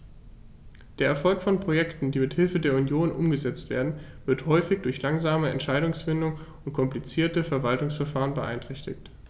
Der Erfolg von Projekten, die mit Hilfe der Union umgesetzt werden, wird häufig durch langsame Entscheidungsfindung und komplizierte Verwaltungsverfahren beeinträchtigt.